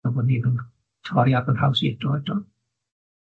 Fel bo' ni ddim torri ar fy nhraws i eto eto.